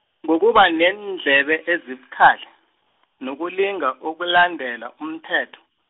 ngokuba neendlebe ezibukhali , nokulinga ukulandela umthetho.